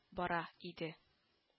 Бара иде